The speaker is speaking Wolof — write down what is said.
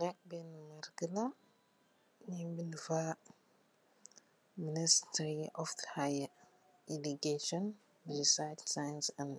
Nekk buñ mark la, nu bind fa, Ministry of Higher Education research science and